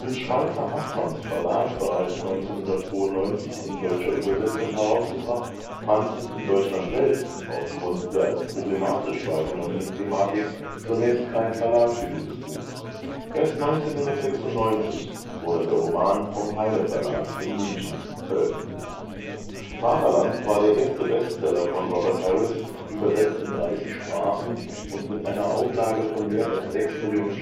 Schweizer Haffmans Verlag bereits 1992 in deutscher Übersetzung herausgebracht, fand sich in Deutschland selbst, aufgrund der als problematisch wahrgenommenen Thematik, zunächst kein Verlag für das Buch. Erst 1996 wurde der Roman vom Heyne-Verlag in München veröffentlicht. Vaterland war der erste Bestseller von Robert Harris, übersetzt in 30 Sprachen und mit einer Auflage von mehr als sechs Millionen